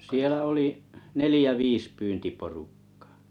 siellä oli neljä viisi pyyntiporukkaa